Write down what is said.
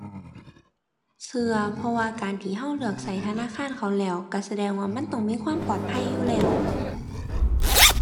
เชื่อ เพราะว่าการที่เชื่อเลือกเชื่อธนาคารเขาแล้ว เชื่อแสดงว่ามันต้องมีความปลอดภัยอยู่แล้ว